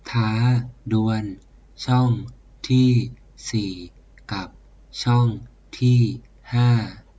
ท้าดวลช่องที่สี่กับช่องที่ห้า